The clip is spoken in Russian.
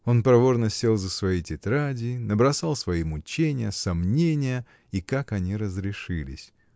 Он проворно сел за свои тетради, набросал свои мучения, сомнения и как они разрешились.